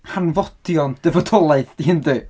Hanfodion dy fodolaeth di yndi?